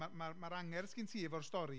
Ma' ma' ma'r angerdd sy gen ti efo'r stori,